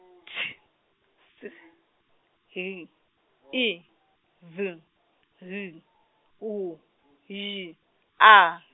T S H I V H U Y A.